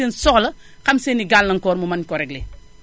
dafay xam seen soxla xam seen i gàllankoor mu mën koo réglé